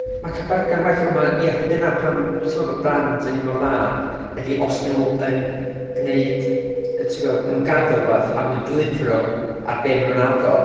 Mae gael byrgyr well, ond ma'... ia, oherwydd dyna pam dwi'n teimlo bod brands yn un mor dda, ydi os nhw yn gneud, ti'n gwybod, ma' nhw'n gaddo rwbeth a ma' nw'n delifro ar be ma' nhw'n addo.